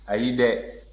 ayi dɛ